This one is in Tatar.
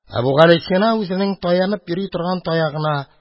Әбүгалисина үзенең таянып йөри торган таягына